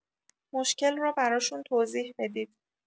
مشکل را براشون توضیح بدید.